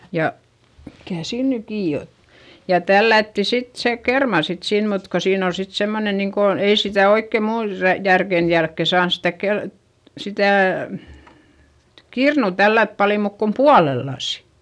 ja mikä siinä nyt kiinni otti ja tällättiin sitten se kerma sitten sinne mutta kun siinä oli sitten semmoinen niin kuin ei sitä oikein minun - järkeni jälkeen saanut sitä - sitä kirnua tällätä paljon muuta kuin puolellasin